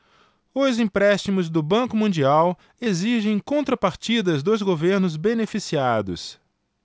os empréstimos do banco mundial exigem contrapartidas dos governos beneficiados